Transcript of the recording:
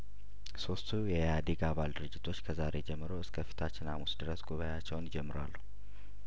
ሶስቱ የኢህአዴግ አባል ድርጅቶች ከዛሬ ጀምሮ እስከፊታችን ሀሙስ ድረስ ጉባኤያቸውን ይጀምራሉ